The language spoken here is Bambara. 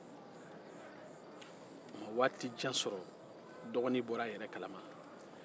o ma waati jan sɔrɔ dɔgɔnin bɔra a yɛrɛ kalama